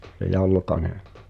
se Jalkanen